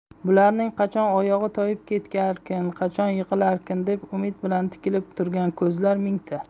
bularning qachon oyog'i toyib ketarkin qachon yiqilarkin deb umid bilan tikilib turgan ko'zlar mingta